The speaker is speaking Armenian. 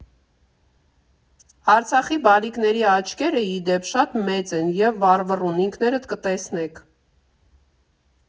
Արցախի բալիկների աչքերը, ի դեպ, շատ մեծ են և վառվռուն, ինքներդ կտեսնեք։